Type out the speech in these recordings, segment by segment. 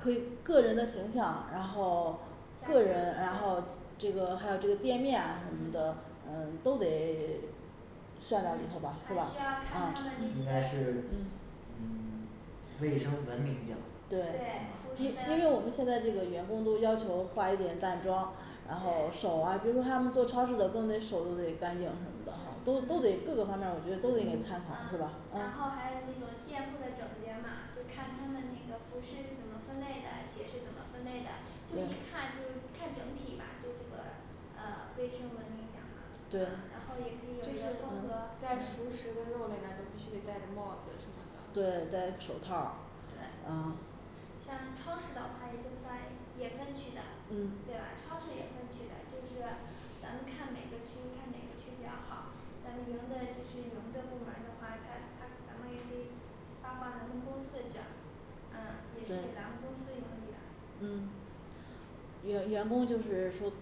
可以个人的形象，然后加上个对人然后这个还有这个店面啊什么的嗯呃都得 嗯还需要看他算上这个吧是吧们应嗯该那些对是嗯 卫生文明奖对因为我们现在这个员工都要求化一点淡妆然后手对啊比如说他们做超市的都得手都得干净什么的，都都得各个方面我觉得都得给参考是吧然后还有那种店铺的整洁嘛，就看他们那个服饰是怎么分类的鞋是怎么分类的就一看就是看整体吧就这个呃卫生文明奖啊，啊然后也可以有一个风格在熟食的肉里面就必须戴着帽子什么的对戴着手套对啊像超市的话也就算也分区的对嗯吧？超市也分区的就是咱们看每个区看哪个区比较好咱们赢的就是赢的部门儿的话，他他咱们也可以发放咱们公司的劵儿，嗯也是给咱对们公司盈利的嗯员员工就是说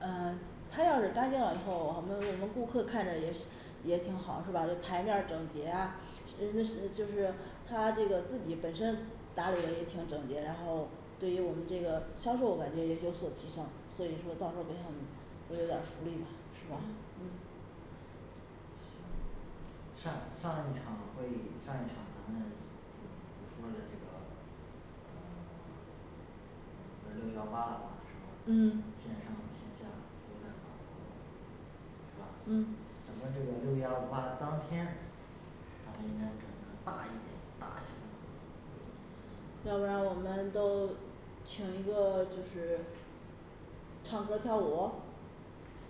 呃他要是干净以后，我们顾客看着也挺也挺好是吧？就台面儿整洁啊其实这是就是他这个自己本身打理也挺整洁，然后对于我们这个销售我感觉也有所提升，所以说到时候给他们都有点儿福利吧是吧嗯嗯上上一场会议上一场咱们就就说了这个，呃 六幺八是吧？嗯线上线下都在搞活动，是吧嗯咱们这个六幺八当天，咱们应该整个大一点的大型的活动要不然我们都请一个就是唱歌儿跳舞，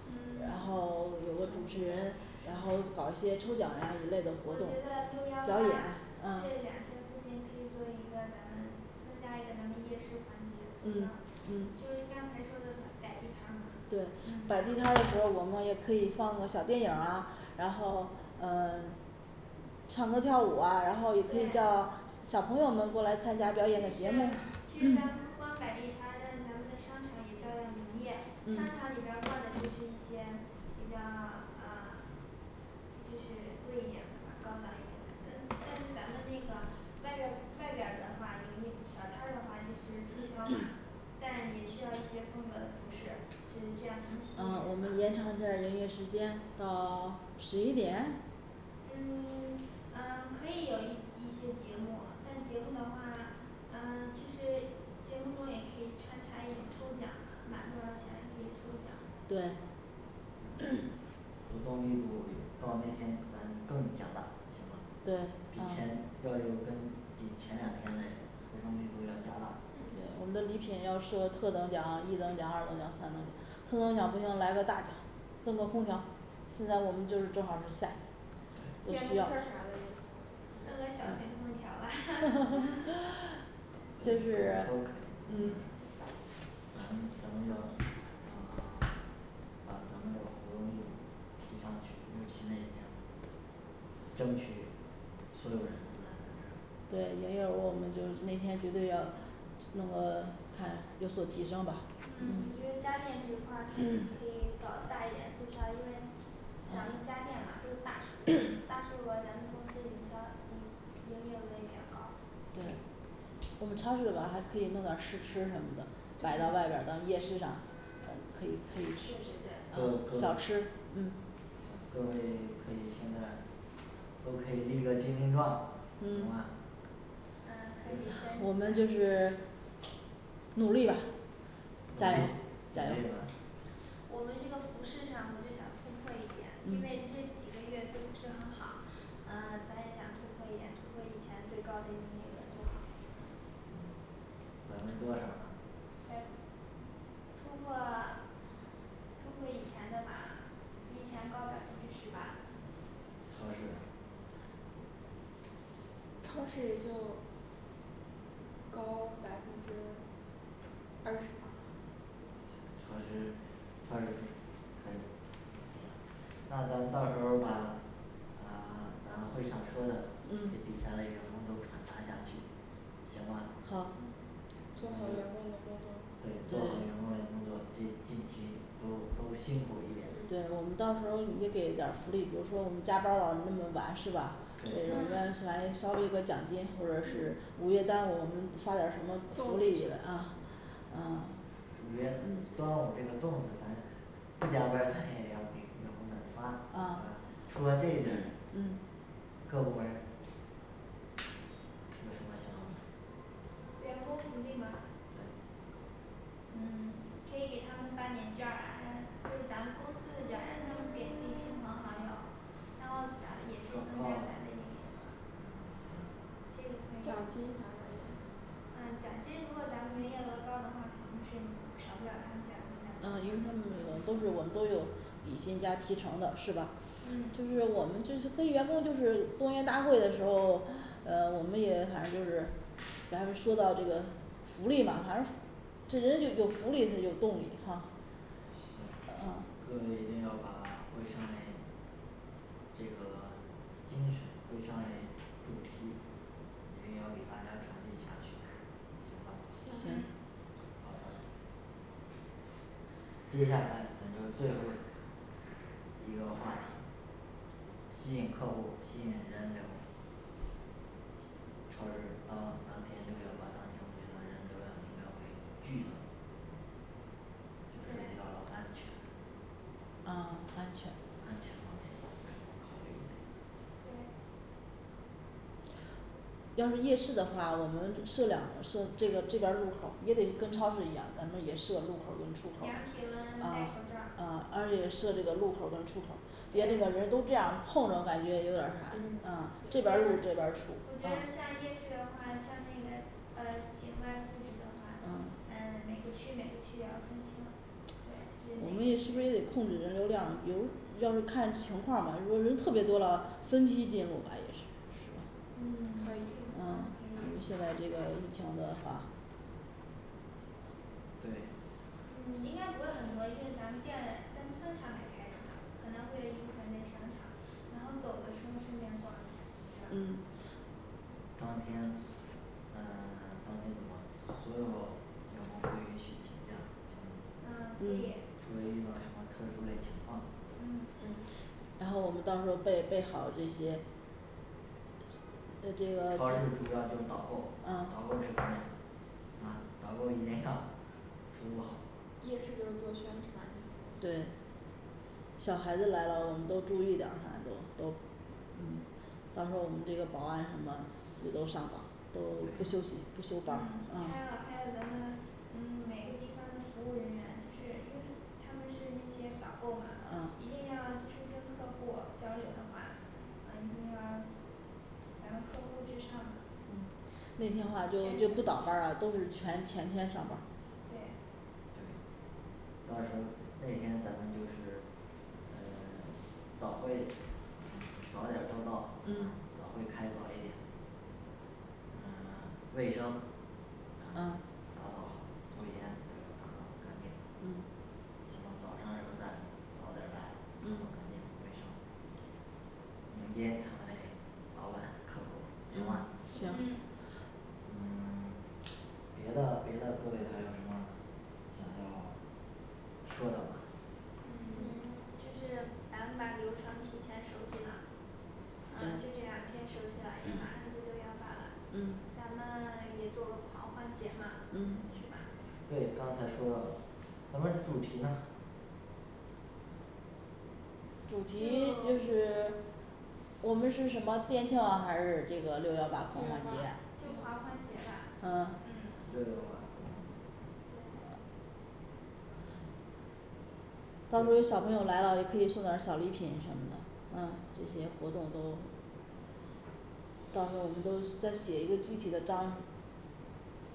嗯然 后有个主持人，然后搞一些抽奖啊一类的我觉活动得表六演幺啊八啊这两天附近可以做一个咱们增加一个咱们夜市环节促销嗯，就刚才说的摆地摊儿嘛对，摆地摊儿嗯的时候我们也可以放个小电影儿啊，然后呃 唱歌儿跳舞啊，然后也可以对叫小朋友们过来参就是其实加表演节目咱们不光摆地摊儿，在咱们的商场也照样营业，商嗯场里面儿挂的就是一些比较 呃就是贵一点的吧高档一点的，但但是咱们那个外边外边儿的话有一小摊儿的话就是促销嘛但也需要一些风格的服饰，是这样能啊我们吸引延长一下营业时间到 十一点嗯 呃可以有一一些节目，但节目的话呃其实节目中也可以穿插一种抽奖嘛满多少钱也可以抽奖对 活动力度到那天咱更加大行吧对，以前啊要跟比前两天嘞活动力度要加大我们的礼品要设特等奖、一等奖、二等奖、三等奖特等奖不行来个大奖送个空调。现在我们就是正好儿是夏季对电动车厂的也行赠个小电空调啊 就这些是都可以嗯咱咱们要呃 把咱们这个活动力度提上去，争取那些争取所有人都来对也有，我们就那天绝对要看有所提升吧嗯我觉得家电这块儿就是可以搞大一点促销因为咱们家电嘛都是大数，大数额咱们公司营销营营业额也比较高对就是他这个吧还可以弄点儿试吃什么的摆到外边儿到夜市上可以可以对试对对各吃小各吃嗯呃各位可以现在都可以立个军令状行吧？嗯可以我们先就是努力吧加努油力努加油力完成我们这个服饰上我就想突破一点，因为嗯这几个月都不是很好，呃咱也想突破一点突破以前最高的盈利额多少嗯百分之多少呢百突破突破以前的吧比以前高百分之十吧超市呢超市也就高百分之二十吧行超市超市可以行那咱到时候把呃咱会上说的给嗯底下的员工都传达下去行吧好做好员工的工作对做好员工嘞工作这近期都都辛苦一点对我们到时候也给点儿福利，比如说我们加班老那么晚是吧可给员以工给嗯来稍微有个奖金或者是五月端午我们发点儿什么粽独立子的啊呃五月端午这个粽子咱不加班儿，咱也要给员工们发呃啊除了这个嗯各部门儿有什么想法儿员工福利吗对嗯可以给他们发点劵儿啊，然后对咱们公司的劵儿让他们给弟亲朋好友，然后咱们也是增加咱的营业额嗯行这个可奖金以还可以嗯奖金如果咱们营业额高的话，肯定是少不了他们奖金的啊因为他们都是我们都有底薪加提成的是吧嗯就是我们就是可以员工就是动员大会的时候，呃我们也反正就是咱们说到这个福利吧，反正这人就有福利才有动力哈行啊各位一定要把卫生嘞这个精神会上嘞主题，一定要给大家传递下去好吧嗯好的接下来咱就最后一个话题，吸引客户，吸引人流超市当当天六幺八当天，我觉得人流量应该会巨增，就涉及对到了安全啊安全安全方面有什么考虑没对要是夜市的话，我们设两设，这个这边儿路口儿也得跟超市一样，咱们也设入口儿量体温戴口出口儿啊罩儿啊啊也设置个入口儿跟出口儿因为那个对人都这样碰着，我感觉有点啥，呃我觉得我这边儿入觉这边儿得出啊像夜市的话，像那个呃景外布置的话，嗯啊每个区每个区也要分清对其实这个我们也时不时是控制人流量比如要是看情况吧如果人特别多了，分批进入吧也是嗯可以啊这现样可以在这个疫情的话对嗯应该不会很多，因为咱们店咱们商场还开着呢，可能会有一部分在商场然后走的时候顺便逛一下，对吧嗯当天嗯 当天怎么所有员工不允许请假嗯可嗯以除非遇到什么特殊的情况嗯嗯然后我们到时候备备好这些呃这超市个啊主要就是导购，导购这边呢啊导购你别笑说夜市就是做宣传对小孩子来了我们都注意点儿，反正都都嗯到时候儿我们这个保安什么也都上场不休息不休班还有啊还有咱们嗯每个地方的服务人员，就是因为他们是那些导购嘛一定啊要就是跟客户交流的话呃一定要咱们客户至上嘛那天话就就不倒班了，都是全全天上班对对。到时候那天咱们就是嗯 早会嗯早一点就到嗯早会开早一点嗯 卫生啊打扫好，头一天咱就打扫干净嗯行早上是不是再早点儿来打扫干嗯净卫生，迎接他们嘞早晚客户行吧行嗯嗯 别的别的各位还有什么？想要说的吗嗯就是咱们把流程提前熟悉了，呃就这两天熟悉了，因为马上就六幺八了嗯，咱们也做狂欢节嘛嗯是吧？对刚才说到咱们主题呢主题就就是我们是什么电销啊还是这个六幺八狂欢节啊就狂欢节吧六幺八狂欢对到时候小朋友来了也可以送点儿小礼品什么的啊这些活动都到时候我们都再写一个具体的章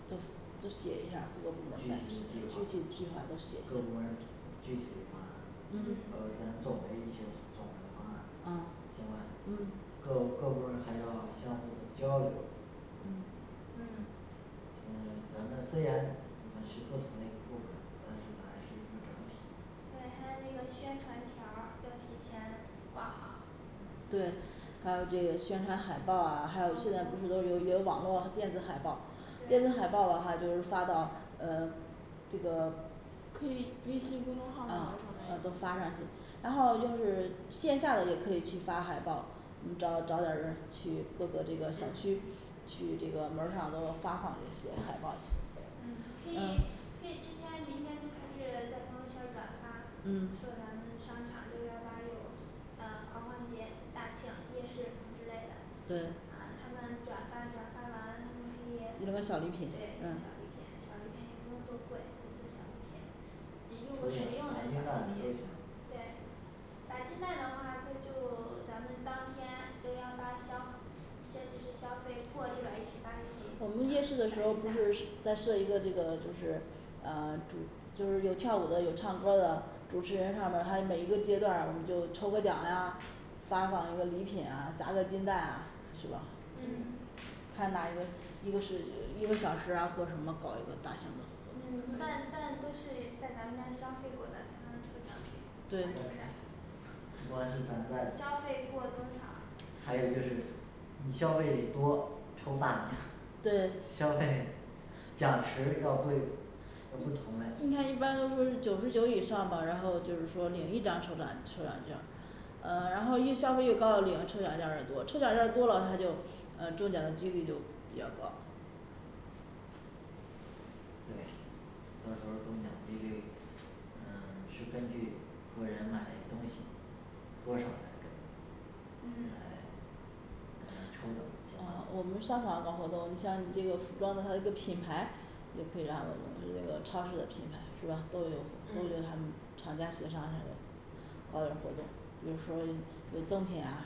都都写一下各个部具体嘞门儿嘞具体计计划划都写，一下各部门儿具体的方案咱们嗯先做完一些总的方案啊行吧嗯各各部门还要相互交流嗯行咱们虽然嗯是不同嘞部门，但是咱是一个整体对那那个宣传条儿要提前挂好嗯对还有这个宣传海报啊，还有现在不是都有网络电子海报，电子海对报的话就是发到呃这个可以微信公众号上啊就可都以发上去然后就是线下的也可以去发海报，我们找找点儿人儿去各个这个小区去这个门儿上都发放一些海报嗯嗯可以可以今天明天就开始在朋友圈儿转发，嗯说咱们商场六幺八有嗯狂欢节大庆夜市之类的对啊他们转发转发完，他们可以对给个给小小礼礼品品小礼品也不用多贵做一个小礼品你用个实用的砸金小蛋礼都品行对砸金蛋的话，这就咱们当天六幺八消消就是消费过六百一十八就可以我砸们夜金市的时候就蛋是再设一个这个就是呃就是有跳舞的有唱歌的主持人上面儿，他每一个阶段儿我们就抽个奖呀，发放一个礼品啊砸个金蛋啊是吧？嗯看哪一个就是一个小时啊或者什么搞一个大项目嗯但但都是在咱们这儿消费过的才能抽奖品砸金蛋对不管是咱在消费过多少还有就是你消费多抽大的对消费价值要会有不同嘞应该一般都是九十九以上的，然后就是说领一张抽奖抽奖劵呃然后越消费越高那个抽奖劵越多抽奖劵多了他就，呃中奖的几率就比较高对。到时候中奖几率呃是根据个人买嘞东西，多少来干嗯来嗯抽的行吧我们商场搞活动，就像你这个服装的它一个品牌也可以让这个超市的品牌是吧，都有都有嗯他们厂家协商一下，搞点儿活动比如说有有赠品啊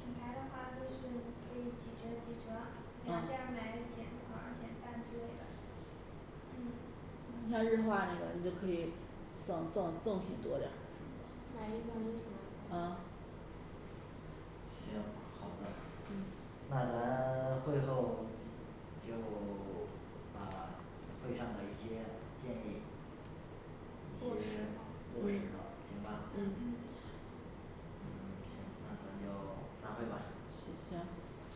品牌的话，都是可以几折几折，两件儿买减多少减半之类的嗯你看日化这个你都可以赠赠赠品多点儿买一赠一个啊行好的。那咱 会后就 把会上的一些建议今天落实啦落实了行吧嗯嗯嗯行，那咱就散会吧行